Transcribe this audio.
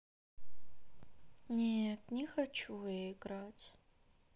нет не хочу я играть